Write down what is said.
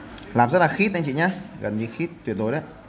làm rất là khít anh chị nhé tại vì khít tuyệt đối đấy